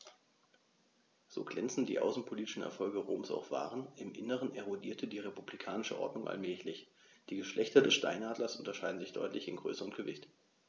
So glänzend die außenpolitischen Erfolge Roms auch waren: Im Inneren erodierte die republikanische Ordnung allmählich. Die Geschlechter des Steinadlers unterscheiden sich deutlich in Größe und Gewicht.